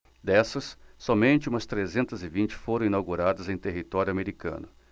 dessas somente umas trezentas e vinte foram inauguradas em território americano